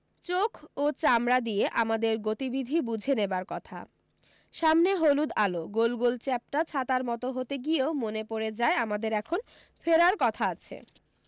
চোখ ও চামড়া দিয়ে আমাদের গতিবিধি বুঝে নেবার কথা সামনে হলুদ আলো গোল গোল চ্যাপ্টা ছাতার মতো হতে গিয়েও মনে পড়ে যায় আমাদের এখন ফেরার কথা আছে